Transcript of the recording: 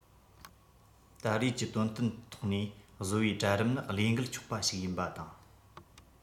ད རེས ཀྱི དོན རྐྱེན ཐོག ནས བཟོ པའི གྲལ རིམ ནི བློས འགེལ ཆོག པ ཞིག ཡིན པ དང